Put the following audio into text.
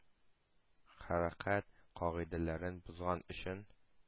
Хәрәкәт кагыйдәләрен бозган өчен